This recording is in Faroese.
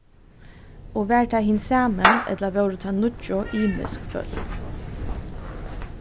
og var tað hin sami ella vóru tað níggju ymisk fólk